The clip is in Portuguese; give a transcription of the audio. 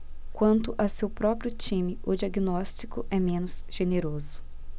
quanto ao seu próprio time o diagnóstico é menos generoso